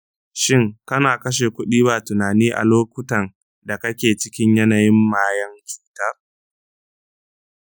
shin kana kashe kuɗi ba tunani a lokutan da kake cikin yanayin mayen cutar?